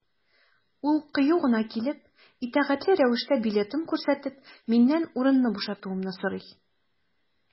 Ул кыю гына килеп, итәгатьле рәвештә билетын күрсәтеп, миннән урынны бушатуымны сорый.